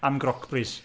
Am grocbris.